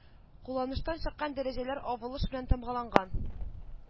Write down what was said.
Кулланыштан чыккан дәрәҗәләр авылыш белән тамгаланган